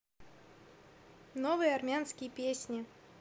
новые армянские песни